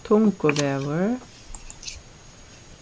tunguvegur